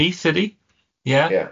Nith, ydy? Yeah?... Ia.